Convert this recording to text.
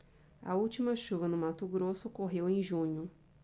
a última chuva no mato grosso ocorreu em junho